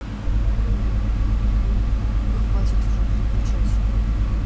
хватит уже переключать